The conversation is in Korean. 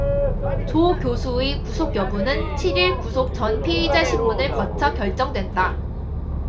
조 교수의 구속 여부는 칠 일 구속 전 피의자심문을 거쳐 결정된다